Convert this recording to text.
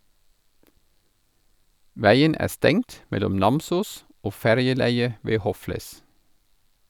- Veien er stengt mellom Namsos og ferjeleiet ved Hofles.